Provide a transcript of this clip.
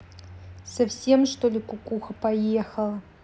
совсем что ли кукуха поехала